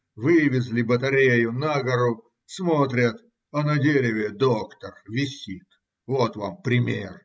Вывезли батарею на гору: смотрят, а на дереве доктор висит. Вот вам пример.